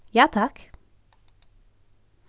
ja takk